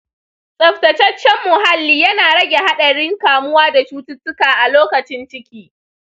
tsaftataccen muhalli yana rage haɗarin kamuwa da cututtuka a lokacin ciki.